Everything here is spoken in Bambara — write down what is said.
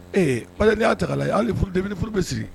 Ee ayi n y'a ta' la' ni furudenini furuuru bɛ sigi